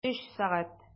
Өч сәгать!